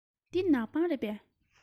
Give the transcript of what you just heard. འདི ནག པང རེད པས